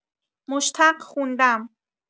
مشتق خوندم